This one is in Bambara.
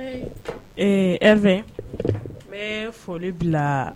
Ee e fɛ n bɛ foli bila